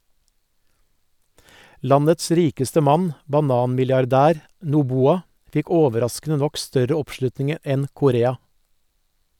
Landets rikeste mann , bananmilliardær Noboa, fikk overraskende nok større oppslutning enn Correa.